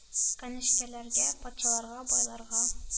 — канечкечләргә: патшаларга, байларга,